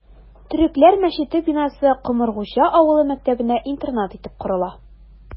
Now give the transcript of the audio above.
Төрекләр мәчете бинасы Комыргуҗа авылы мәктәбенә интернат итеп корыла...